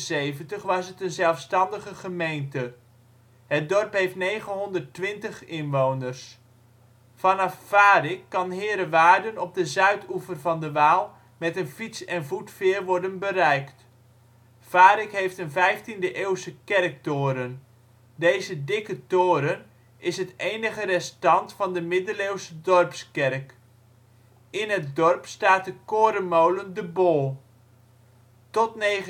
1978 was het een zelfstandige gemeente. Het dorp heeft 920 inwoners (2005). Vanaf Varik kan Heerewaarden op de zuidoever van de Waal met een fiets - en voetveer worden bereikt. Varik heeft een 15de-eeuwse kerktoren. Deze " Dikke Toren " is het enige restant van de middeleeuwse dorpskerk. In het dorp staat de korenmolen De Bol. Tot 1963